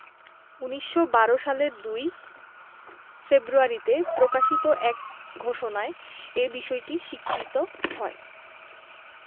১৯১২ সালের ২ ফেব্রুয়ারিতে প্রকাশিত এক ঘোষণায় এ বিষয়টি স্বীকৃত হয়